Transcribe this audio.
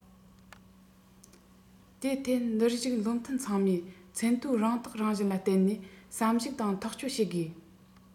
དེའི ཐད འདིར བཞུགས བློ མཐུན ཚང མས ཚད མཐོའི རང རྟོགས རང བཞིན ལ བརྟེན ནས བསམ གཞིགས དང ཐག གཅོད བྱེད དགོས